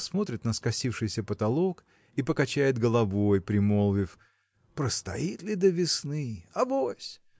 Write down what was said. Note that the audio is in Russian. посмотрит на скосившийся потолок и покачает головой примолвив Простоит ли до весны? Авось!